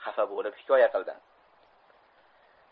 xafa bo'lib hikoya qildi